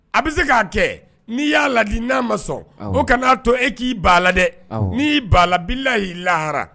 A bɛ se k'a kɛ n'i y'a laadi n'an ma sɔn. Awɔ. O kan'a to e k'i ban a la dɛ. Awɔ. N'i ban a la bilahi, lahara.